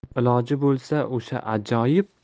iloji bo'lsa o'sha ajoyib